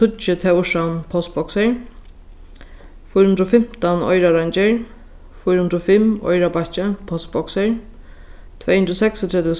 tíggju tórshavn postboksir fýra hundrað og fimtan oyrareingir fýra hundrað og fimm oyrarbakki postboksir tvey hundrað og seksogtretivu